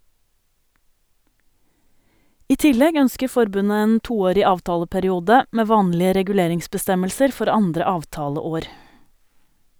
I tillegg ønsker forbundet en toårig avtaleperiode med vanlige reguleringsbestemmelser for andre avtaleår.